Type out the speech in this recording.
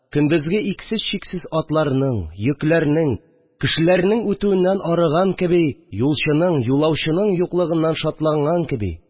Көндезге иксез-чиксез атларның, йөкләрнең, кешеләрнең үтүеннән арыган кеби, улчны ң, юлаучының юклыгыннан шатланган кеби